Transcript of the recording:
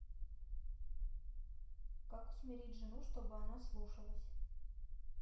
как усмирить жену чтобы она слушалась